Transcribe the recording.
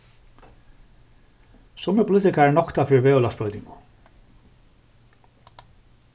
summir politikarar nokta fyri veðurlagsbroytingum